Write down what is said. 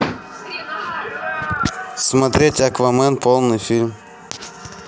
смотреть аквамен полный фильм